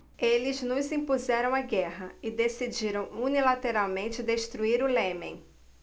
eles nos impuseram a guerra e decidiram unilateralmente destruir o iêmen